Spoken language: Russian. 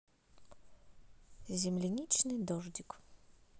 земляничный дождик